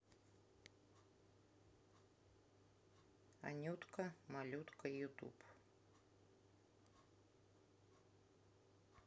анютка малютка ютуб